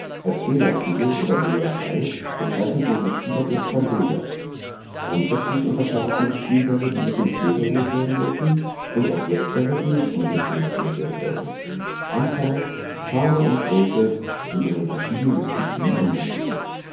Als Billardkugel oder Billardball bezeichnet man das Spielobjekt beim Billard. Grundsätzlich unterscheidet man Spielbälle, die mit dem Queue berührt werden dürfen und Objektbälle, die nicht mit dem Queue berührt werden dürfen. Anzahl, Farbe und Größe sind in den verschiedenen Disziplinen unterschiedlich